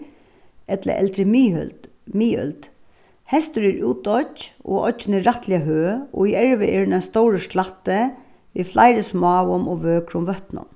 ella eldru miðøld hestur er útoyggj og oyggin er rættiliga høg og í erva er hon ein stórur slætti við fleiri smáum og vøkrum vøtnum